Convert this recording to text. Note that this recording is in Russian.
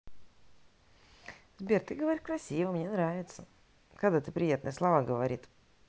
сбер ты говоришь красива мне нравится когда ты приятные слова говорит